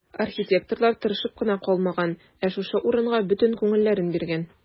Архитекторлар тырышып кына калмаган, ә шушы урынга бөтен күңелләрен биргән.